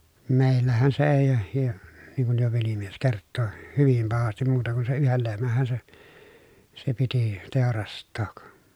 meillähän se ei ja niin kun jo velimies kertoi hyvin pahasti muuta kuin sen yhden lehmänhän se se piti teurastaa